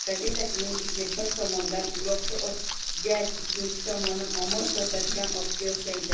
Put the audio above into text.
gazetachining ishi bir tomondan uloqchi otga ikkinchi tomondan omoch tortadigan otga o'xshaydi